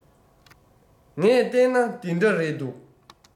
ངས ལྟས ན འདི འདྲ རེད འདུག